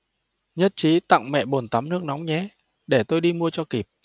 nhất trí tặng mẹ bồn tắm nước nóng nhé để tôi đi mua cho kịp